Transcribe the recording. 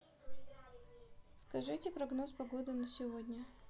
скажите прогноз погоды на сегодня